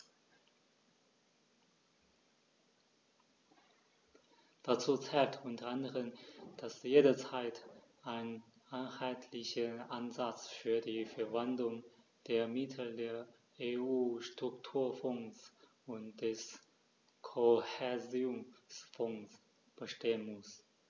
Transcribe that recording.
Dazu zählt u. a., dass jederzeit ein einheitlicher Ansatz für die Verwendung der Mittel der EU-Strukturfonds und des Kohäsionsfonds bestehen muss.